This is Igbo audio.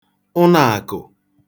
ụnọ àkụ̀